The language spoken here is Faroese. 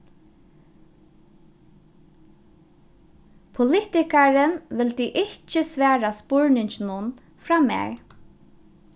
politikarin vildi ikki svara spurninginum frá mær